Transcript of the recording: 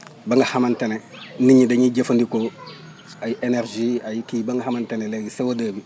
ba nga xamante ne nit ñi dañuy jëfandikoo ay énergies ay kii ba nga xamante ne léegi CO2 bi